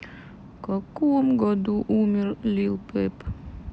в каком году умер lil peep